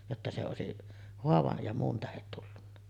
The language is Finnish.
jotta se olisi haavan ja muun tähden tullut